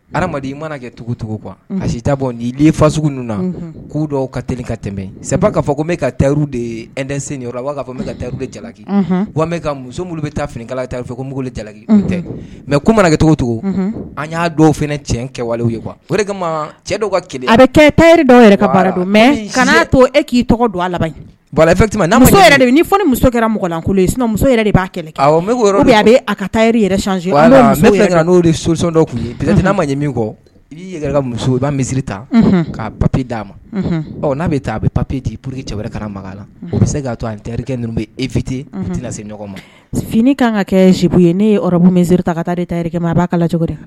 I mana kɛcogocogo kuwa ayi si ta bɔ nifa sugu ninnu k'u dɔ ka teli ka tɛmɛbɛn seba k'a fɔ ko bɛ ka tauru de ye ndɛnyɔrɔ b'a fɔ ka taa jalaki muso minnu bɛ taa finikala tari fɛ ko mun jalaki tɛ mɛ ko mana kɛcogo cogo an y'a dɔw f cɛn kɛwale ye kuwa cɛ dɔw ka kelen a bɛ kɛ tari dɔw yɛrɛ ka baara mɛ kana'a to e k'i tɔgɔ don a lati naa yɛrɛ de muso kɛra mɔgɔlankolon i sinamuso yɛrɛ de b'a kɛ a a ka taari yɛrɛc n'o ye sosɔn dɔw tun ye'a ma ye min kɔ i'i yɛrɛ ka muso i b' misisiriri ta k'a papi d'a ma n'a bɛ taa a bɛ papiye di purki cɛ ka makan la o bɛ se k'a to an teri ninnu bɛ e fit ti se ma fini kan ka kɛ sibo ye ne ye yɔrɔbu min z ta ka taa takɛ ma b'a la cogo